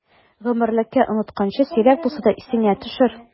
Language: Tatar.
Гомерлеккә онытканчы, сирәк булса да исеңә төшер!